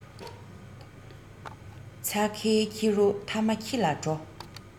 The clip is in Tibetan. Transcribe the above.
ཚྭ ཁའི ཁྱི རོ མཐའ མ ཁྱི ལ འགྲོ